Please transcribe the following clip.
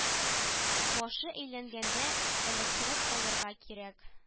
Башы әйләнгәндә эләктереп калырга кирәк